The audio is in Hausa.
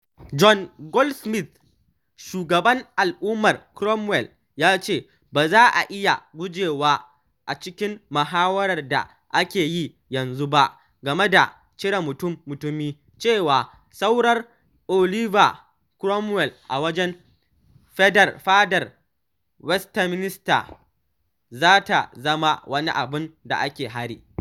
John Goldsmith, shugaban Al’ummar Cromwell, ya ce: “Ba za a iya gujewa a cikin mahawarar da ake yi yanzu ba game da cire mutum-mutumi cewa surar Oliver Cromwell a wajen Fadar Westminster za ta zama wani abin da ake hari.